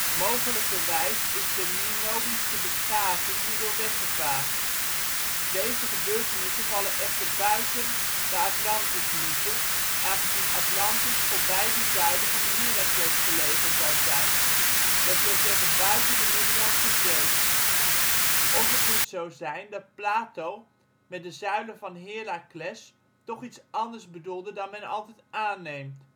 Mogelijkerwijs is de Minoïsche beschaving hierdoor weggevaagd. Deze gebeurtenissen vallen echter buiten de Atlantismythe, aangezien Atlantis ' voorbij de Zuilen van Heracles ' gelegen zou zijn, dat wil zeggen buiten de Middellandse Zee. Of het moet zo zijn dat Plato met de Zuilen van Heracles toch iets anders bedoelde dan men altijd aanneemt